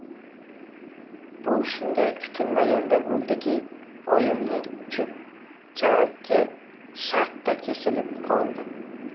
bu shunday kutilmaganda bo'ldiki oyimning cho'pchagi shartta kesilib qoldi